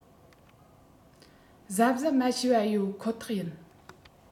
གཟབ གཟབ མ བྱས པ ཡོད ཁོ ཐག ཡིན